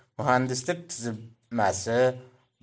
muhandislik tuzilmasi